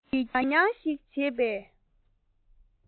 བྱེད ཀྱིན བྱ རྨྱང ཞིག བྱེད པས